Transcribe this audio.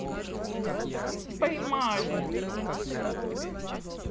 поймали